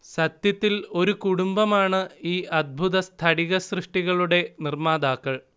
സത്യത്തിൽ ഒരു കുടുംബമാണ് ഈ അദ്ഭുത സ്ഥടികസൃഷ്ടികളുടെ നിർമാതാക്കൾ